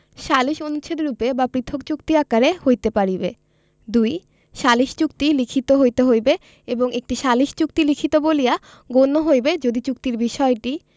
সালিস অনুচ্ছেদরূপে বা পৃথক চুক্তি আকারে হইতে পারিবে ২ সালিস চুক্তি লিখিত হইতে হইবে এবং একটি সালিস চুক্তি লিখিত বলিয়া গণ্য হইবে যদি চুক্তির বিষয়টি